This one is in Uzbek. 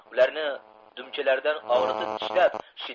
ularni dumchalaridan og'ritib tishlab